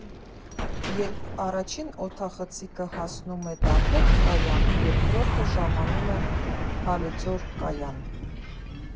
Երբ առաջին օդախցիկը հասնում է «Տաթև» կայան, երկրորդը ժամանում է «Հալիձոր» կայան։